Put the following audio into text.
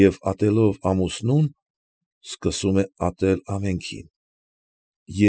Եվ ատելով ամուսնուն, սկսում է ատել ամենքին։